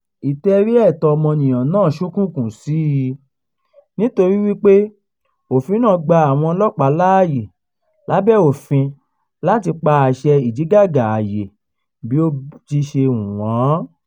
Ìtẹ́rí ẹ̀tọ́ ọmọnìyàn náà ṣ'ókùnkùn sí i nítorí wípé òfin náà gba àwọn ọlọ́pàá láyè lábẹ́ òfin láti pa àṣẹ ìdígàgá-àyè bí ó ti ṣe hù wọ́n.